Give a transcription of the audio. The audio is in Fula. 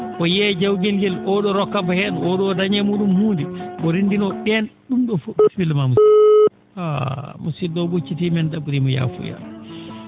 o yeeya jawgel ngel oo?oo rokka mo heen oo?oo daña e mu?um huunde o renndino ?een ?um ?o fof bisimilla ma musid?o musid?o o ?occitima en ?a??irii mo yaafuya